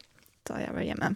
Da jeg var hjemme.